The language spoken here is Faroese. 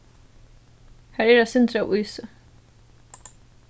har er eitt sindur av ísi